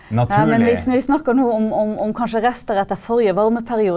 men vi vi snakker nå om om om kanskje rester etter forrige varmeperiode.